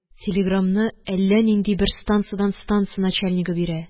Телеграмны әллә нинди бер стансадан станса начальнигы бирә.